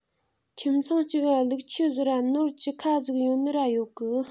ཁྱིམ ཚང གཅིག ག ལུག ཁྱུ ཟིག ར ནོར བཅུ ཁ ཟིག ཡོད ནོ ར ཡོད གི